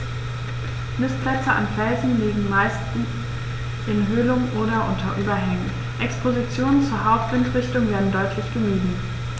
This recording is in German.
Nistplätze an Felsen liegen meist in Höhlungen oder unter Überhängen, Expositionen zur Hauptwindrichtung werden deutlich gemieden.